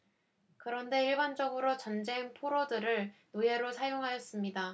그런데 일반적으로 전쟁 포로들을 노예로 사용하였습니다